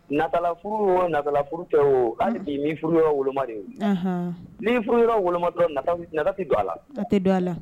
Natala furu na furu tɛ o hali bi ni furu woloma ni furu woloma don a la don a la